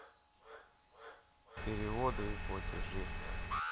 переводы и продажи